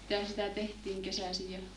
mitä sitä tehtiin kesäisin ja